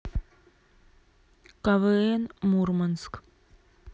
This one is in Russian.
квн мурманск